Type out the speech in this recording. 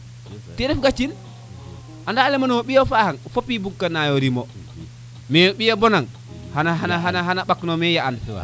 te ref gaci anda a lema nge o ɓiyo faxa nge fopin bukano rimo mais o ɓiya bona nga xana ɓak no me ya ane